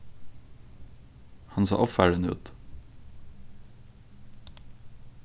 hann sá ovfarin út